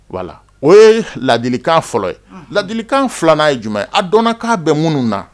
Wala o ye ladilikan fɔlɔ ye ladilikan filanan ye jumɛn ye a dɔn'a bɛn mun na